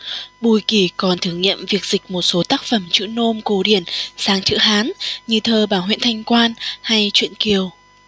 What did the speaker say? bùi kỷ còn thử nghiệm việc dịch một số tác phẩm chữ nôm cổ điển sang chữ hán như thơ bà huyện thanh quan hay truyện kiều